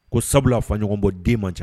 Ko sabula faɲɔgɔn bɔ den man ca